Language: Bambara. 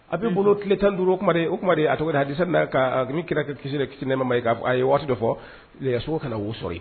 A bɛ n bolo tile tan duuru o o kuma a cogo hase kami kira kɛ kisi de kisi nɛ nema ma ye k ye waati dɔ fɔ lajɛso kana na wou sɔrɔ